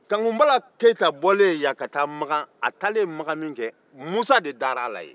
kankun bala keyita bɔlen yan ka taa maka a taalen maka minkɛ musa de dar'a la yen